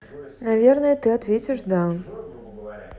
наверное ты ответишь да